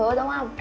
hứa đúng không